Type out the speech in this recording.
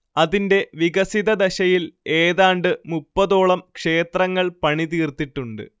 അതിന്റെ വികസിതദശയിൽ ഏതാണ്ട് മുപ്പതോളം ക്ഷേത്രങ്ങൾ പണിതീർത്തിട്ടുണ്ട്